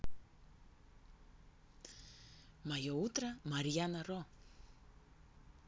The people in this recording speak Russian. мое утро марьяна ро